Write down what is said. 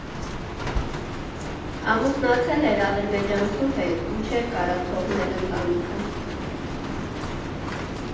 Ամուսնացել էր ադրբեջանցու հետ ու չէր կարա թողներ ընտանիքը։